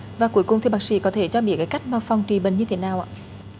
và cuối cùng thưa bác sĩ có thể cho biết cái cách mà phòng trị bệnh như thế nào ạ